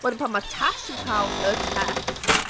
Wedyn pan mae Tash yn cael y test...